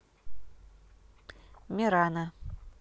мирана